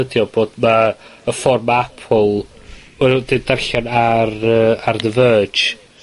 ydi o bod ma' y ffor ma' Apple o' nw di darllen ar yy ar the Verge...